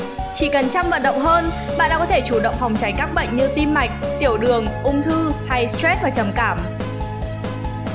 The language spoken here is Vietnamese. chỉ cần chăm vận động hơn bạn đã có thể chủ động phòng tránh các bệnh như tim mạch tiểu đường ung thư hay stress và trầm cảm